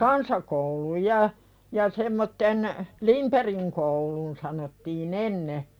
kansakoulun ja ja semmoisen Lindbergin koulu sanottiin ennen